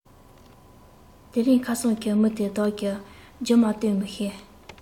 དེ རིང ཁ སང གི མི དེ དག གིས རྒྱུགས མ གཏོགས མི ཤེས